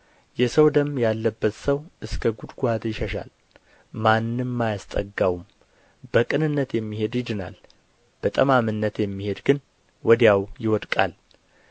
የሰው ደም ያለበት ሰው እንደ ጕድጓድ ይሸሻል ማንም አያስጠጋውም በቅንነት የሚሄድ ይድናል በጠማምነት የሚሄድ ግን ወዲያው ይወድቃል